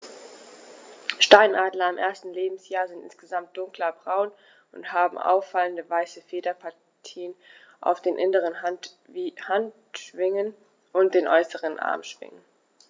Steinadler im ersten Lebensjahr sind insgesamt dunkler braun und haben auffallende, weiße Federpartien auf den inneren Handschwingen und den äußeren Armschwingen.